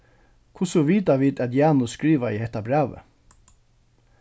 hvussu vita vit at janus skrivaði hetta brævið